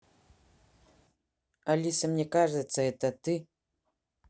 алиса мне кажется это ты